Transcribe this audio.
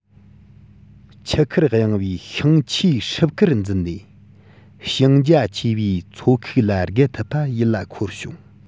ཆུ ཁར གཡེང བའི ཤིང ཆེའི སྲུབས ཀར འཛུལ ནས ཞེང རྒྱ ཆེ བའི མཚོ ཁུག ལ བརྒལ ཐུབ པ ཡིད ལ འཁོར བྱུང